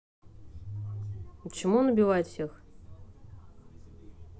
а почему он убивает всех